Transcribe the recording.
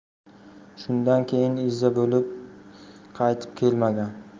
shundan keyin izza bo'lib qaytib kelmagan